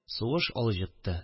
Сугыш алҗытты